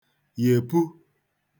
yèpu